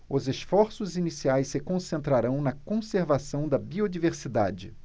os esforços iniciais se concentrarão na conservação da biodiversidade